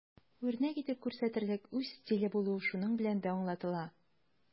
Үрнәк итеп күрсәтерлек үз стиле булу шуның белән дә аңлатыла.